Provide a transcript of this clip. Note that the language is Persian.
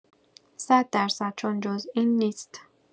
صد در صد چون جز این نیست